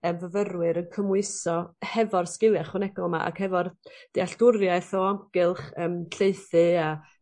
y fyfyrwyr yn cymhwyso hefo'r sgilia ychwanegol 'ma ac hefo'r dealltwrieth o amgylch yym llaethu a